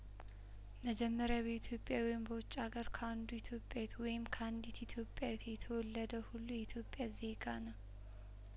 መጀመሪያ በኢትዮጵያ ወይም በውጭ አገር ካንዱ ኢትዮጵያዊት ወይም ካንዲት ኢትዮጵያዊት የተወለደ ሁሉ የኢትዮጵያ ዜጋ ነው